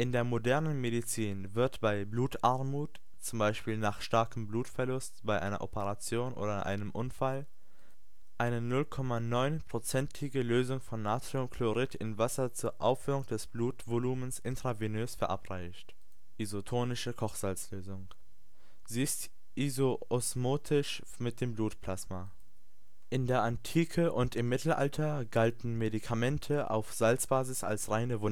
der modernen Medizin wird bei Blutarmut, z. B. nach starkem Blutverlust bei einer Operation oder einem Unfall, eine 0,9% ige Lösung von Natriumchlorid in Wasser zur Auffüllung des Blutvolumens intravenös verabreicht (Isotonische Kochsalzlösung). Sie ist isoosmotisch mit dem Blutplasma. In der Antike und im Mittelalter galten Medikamente auf Salzbasis als reine Wundermittel